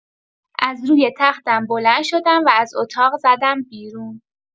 از روی تختم بلند شدم و از اتاق زدم بیرون.